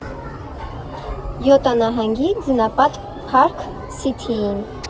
Յուտա նահանգի ձնապատ Փարք Սիթիին։